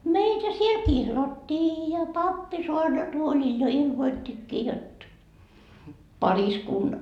meitä siellä kihlattiin ja pappi saarnatuolilla jo ilmoittikin jotta -